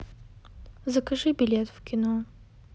закажи билет в кино